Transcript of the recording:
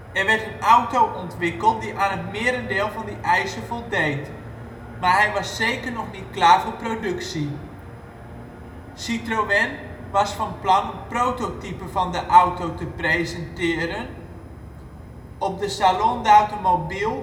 Er werd een auto ontwikkeld die aan het merendeel van die eisen voldeed, maar hij was zeker nog niet klaar voor productie. Citroën was van plan een prototype van de auto te presenteren op de Salon d'Automobile